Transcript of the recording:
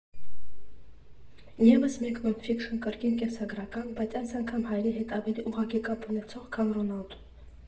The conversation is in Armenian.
Եվս մեկ նոն֊ֆիքշն, կրկին կենսագրական, բայց այս անգամ հայերի հետ ավելի ուղղակի կապ ունեցող, քան «Ռոնալդուն».